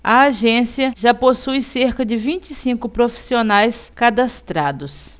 a agência já possui cerca de vinte e cinco profissionais cadastrados